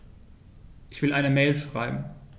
Ich will eine Mail schreiben.